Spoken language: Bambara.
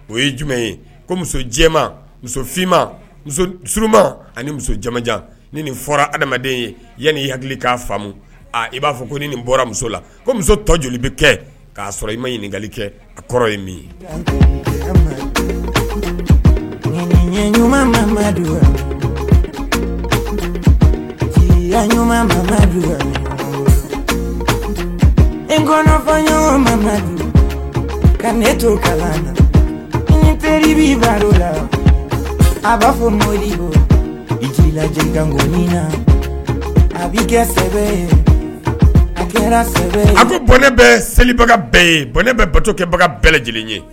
O ye jumɛn ye ko muso jɛma musofinma muso sma ani musojajan ni nin fɔra adamaden ye yan i hakili k'a faamumu i b'a fɔ ko ni nin bɔra muso la ko muso tɔ joli bɛ kɛ k' sɔrɔ i ma ɲinikali kɛ a kɔrɔ ye min ye ɲuman idu ka teri la a b'a fɔ i a kɛra a ko bɔn ne bɛ selibaga bɛɛ ye bɔn ne bɛ bato kɛbaga bɛɛ lajɛlen ye